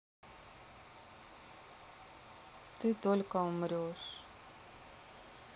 ты только умрешь